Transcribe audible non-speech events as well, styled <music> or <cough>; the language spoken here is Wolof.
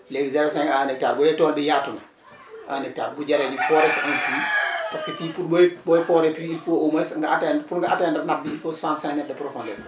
léegi 0 5 à 1 hectare bu dee tool bi yaatu na 1 hectare bu ko jaree <noise> ñu forer fa un puit parce que fii pour oui booy forer puit il faut au moins nga atteindre pour nga atteindre nappe bi il faut 65 mètres de profondeur